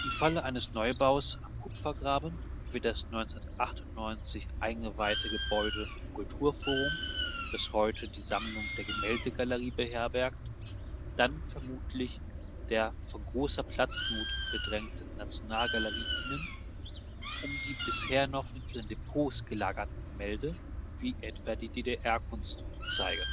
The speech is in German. Falle eines Neubaus am Kupfergraben wird das 1998 eingeweihte Gebäude am Kulturforum, das heute die Sammlung der Gemäldegalerie beherbergt, dann vermutlich der von großer Platznot bedrängten Nationalgalerie dienen, um die bisher noch in ihren Depots gelagerten Gemälde, wie etwa die DDR-Kunst, zu zeigen